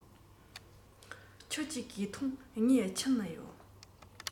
ཁྱོད ཀྱི གོས ཐུང ངའི ཁྱིམ ན ཡོད